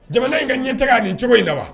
Jamana in ka ɲɛtigɛ a nin cogo in na wa